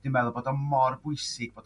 dwi meddwl bod o mor bwysig fod yr